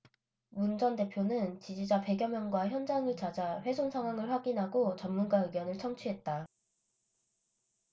문 전 대표는 지지자 백 여명과 현장을 찾아 훼손 상황을 확인하고 전문가 의견을 청취했다